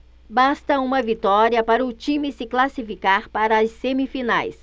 basta uma vitória para o time se classificar para as semifinais